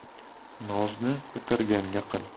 nozni ko'targanga qil